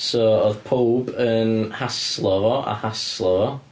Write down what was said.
So oedd pawb yn haslo fo, a haslo fo,